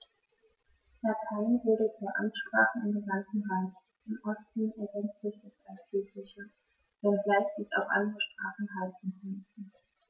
Latein wurde zur Amtssprache im gesamten Reich (im Osten ergänzt durch das Altgriechische), wenngleich sich auch andere Sprachen halten konnten.